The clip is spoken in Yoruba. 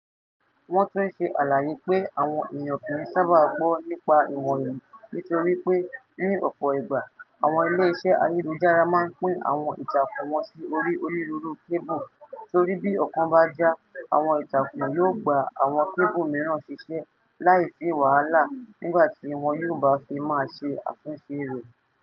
Wọ́n tún ṣe àlàyé pé àwọn èèyàn kìí sábà gbọ́ nípa ìwọ̀nyìí nítorí pé, ní ọ̀pọ̀ ìgbà, àwọn ilé-iṣẹ́ ayélujára máa ń pín àwọn ìtakùn wọn sí orí onírúurú kébù torí bí ọ̀kan bá já, àwọn ìtakùn yóò gba àwọn kébù mìíràn ṣiṣẹ́ láì sí wàhálà nígbà tí wọn yóò bá fi máa ṣe àtúnṣe rẹ̀.